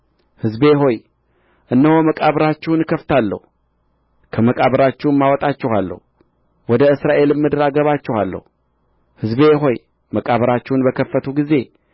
ሕዝቤ ሆይ እነሆ መቃብራችሁን እከፍታለሁ ከመቃብራችሁም አወጣችኋለሁ ወደ እስራኤልም ምድር አገባችኋለሁ ሕዝቤ ሆይ መቃብራችሁን በከፈትሁ ጊዜ